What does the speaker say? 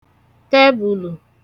tẹbulu